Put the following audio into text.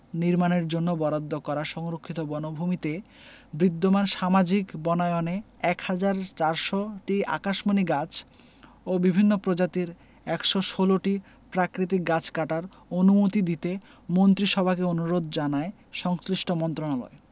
নির্মাণের জন্য বরাদ্দ করা সংরক্ষিত বনভূমিতে বৃদ্যমান সামাজিক বনায়নে ১ হাজার ৪০০টি আকাশমণি গাছ ও বিভিন্ন প্রজাতির ১১৬টি প্রাকৃতিক গাছ কাটার অনুমতি দিতে মন্ত্রিসভাকে অনুরোধ জানায় সংশ্লিষ্ট মন্ত্রণালয়